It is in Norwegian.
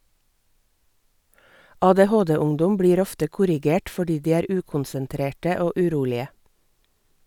- ADHD-ungdom blir ofte korrigert fordi de er ukonsentrerte og urolige.